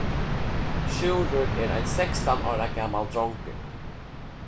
sjúrður er ein sekstan ára gamal drongur